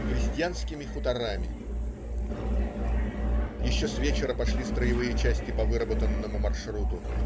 Крестьянскими хуторами Еще с вечера пошли строевые части по выработанному маршруту.